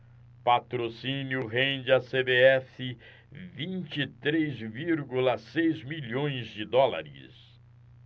patrocínio rende à cbf vinte e três vírgula seis milhões de dólares